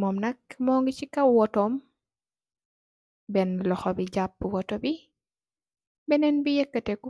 momm nak mogi si kaw wotum bena loxox bi japa auto bi benen bi yeketiku.